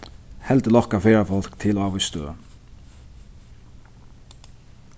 heldur lokka ferðafólk til ávís støð